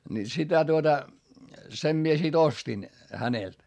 niin sitä tuota sen minä sitten ostin häneltä